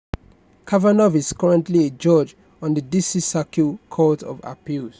Kavanaugh is currently a judge on the D.C. Circuit Court of Appeals.